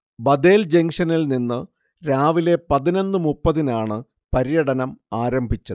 Bethel ജങ്ഷനിൽനിന്ന് രാവിലെ പതിനൊന്നു മുപ്പത്തിനാണ് പര്യടനം ആരംഭിച്ചത്